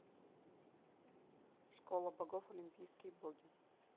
школа богов олимпийские боги